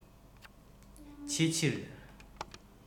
ཕྱི ཕྱིར